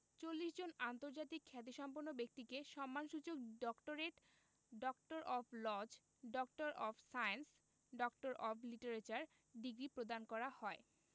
৪০ জন আন্তর্জাতিক খ্যাতিসম্পন্ন ব্যক্তিকে সম্মানসূচক doctorate doctor of laws doctor of science doctor of literature degree প্রদান করা হয়